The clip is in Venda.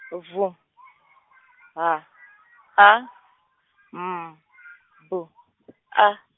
V, H, A, M, B, A.